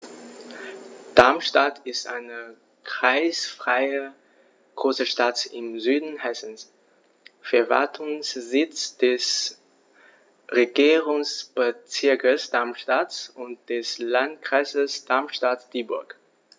Darmstadt ist eine kreisfreie Großstadt im Süden Hessens, Verwaltungssitz des Regierungsbezirks Darmstadt und des Landkreises Darmstadt-Dieburg.